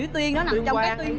chữ tuyên nó nằm trong cái tuyên